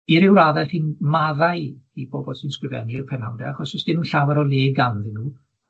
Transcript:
i ryw raddau chi'n maddau i bobol sy'n sgrifennu'r penawde achos do's dim llawer o le ganddyn nw,